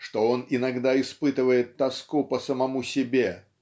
что он иногда испытывает тоску по самом себе